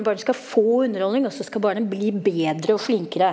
barnet skal få underholdning, også skal barnet bli bedre og flinkere.